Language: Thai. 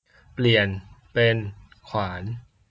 เปลี่ยนเป็นขวาน